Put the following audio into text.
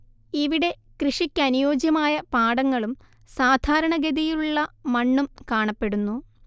ഇവിടെ കൃഷിക്കനുയോജ്യമായ പാടങ്ങളും സാധാരണ ഗതിയിലുള്ള മണ്ണും കാണപ്പെടുന്നു